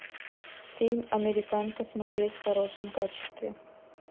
фильм американка смотреть в хорошем качестве